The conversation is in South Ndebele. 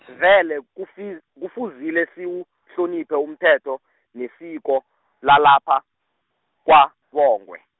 vele kufi- kufuzile siwuhloniphe umthetho, nesiko lalapha, kwaBongwe.